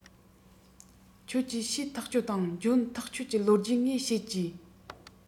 ཁྱོད ཀྱིས བྱས ཐག ཆོད དང འཇོན ཐག ཆོད ཀྱི ལོ རྒྱུས ངས བཤད ཀྱིས